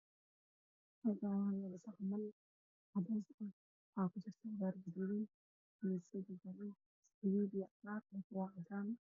Waa sawir boor oo maqaayad ah waxaa ku sawiran cuntooyin oo lagadaayo toban dollar